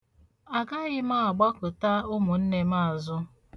Agaghị m agbakụta umunne m azụ.